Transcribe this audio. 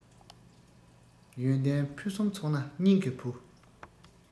ཡོན ཏན ཕུན སུམ ཚོགས ན སྙིང གི བུ